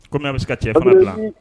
Kɔmi a bɛ se ka cɛ fana dila, o fana dun